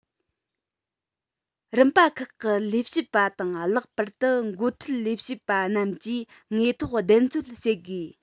རིམ པ ཁག གི ལས བྱེད པ དང ལྷག པར དུ འགོ ཁྲིད ལས བྱེད པ རྣམས ཀྱིས དངོས ཐོག བདེན འཚོལ བྱེད དགོས